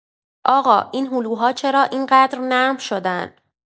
آقا این هلوها چرا این‌قدر نرم شدن؟